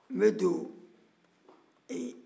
n bɛ don ɛ